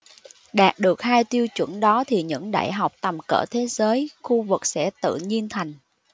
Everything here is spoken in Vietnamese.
đạt được hai tiêu chuẩn đó thì những đại học tầm cỡ thế giới khu vực sẽ tự nhiên thành